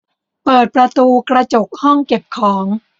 เปิดประตูกระจกห้องเก็บของ